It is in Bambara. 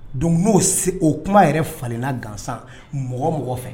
Don n'o o kuma yɛrɛ fana gansan mɔgɔ mɔgɔ fɛ